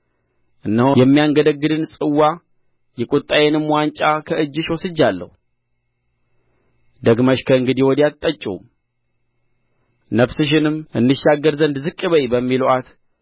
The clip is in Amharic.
እነሆ የሚያንገደግድን ጽዋ የቍጣዬንም ዋንጫ ከእጅሽ ወስጃለሁ ደግመሽም ከእንግዲህ ወዲህ አትጠጪውም ነፍስሽንም እንሻገር ዘንድ ዝቅ በዪ በሚሉአት